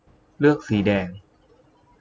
เลือกสีแดง